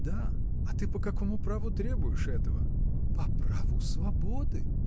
— Да. — А ты по какому праву требуешь этого? — По праву свободы!